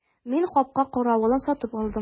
Мин капка каравылын сатып алдым.